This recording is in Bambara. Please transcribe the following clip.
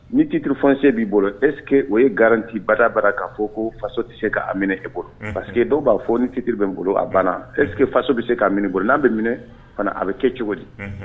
Ni titiri fsen b'i bolo eske o ye garanti bara ka fɔ ko faso tɛ se k'a minɛ e bolo pa dɔw b'a fɔ ni titiriuru bɛ n bolo a banna eke faso bɛ se ka minɛ bolo n'a bɛ minɛ a bɛ kɛ cogo di